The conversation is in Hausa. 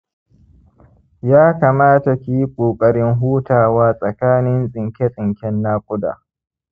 ya kamata ki yi ƙoƙarin hutawa tsakanin tsinke-tsinken nakuda.